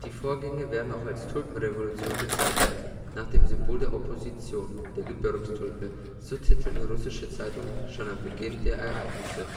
Vorgänge werden auch als Tulpenrevolution bezeichnet, nach dem Symbol der Opposition, der Gebirgstulpe. So titelten russische Zeitungen schon am Beginn der Ereignisse